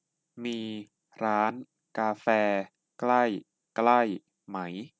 มีร้านกาแฟใกล้ใกล้ไหม